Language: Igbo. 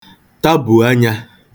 tabù anyā